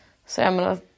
So ia ma' 'na